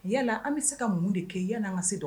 Yala an bɛ se ka mun de kɛ yɛlɛ an ka se dɔn